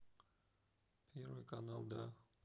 первый канал да